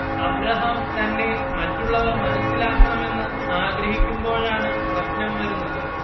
Abraham തന്നെ മറ്റുള്ളവർ മനസ്സിലാക്കണമെന്ന് ആഗ്രഹിക്കുമ്പോഴാണ് പ്രശ്നം വരുന്നത്